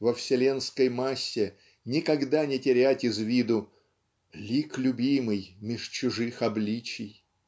во вселенской массе никогда не терять из виду "лик любимый меж чужих обличий"?